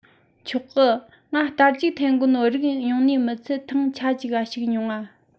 ཆོག གི ང རྟ རྒྱུག འཐེན གོ ནོ རིག ནིས མི ཚད ཐེངས ཆ ཙིག ག ཞུགས མྱོང ང